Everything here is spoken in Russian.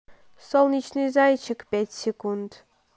солнечный зайчик пять секунд